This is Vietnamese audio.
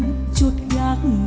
chốt gác